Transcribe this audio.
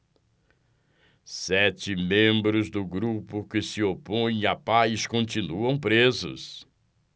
sete membros do grupo que se opõe à paz continuam presos